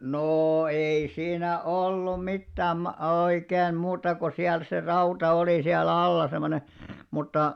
no ei siinä ollut mitään - oikein muuta kuin siellä se rauta oli siellä alla semmoinen mutta